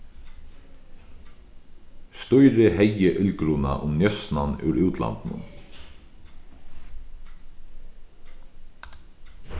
stýrið hevði illgruna um njósnan úr útlandinum